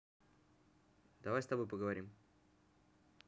давай с тобой поговорим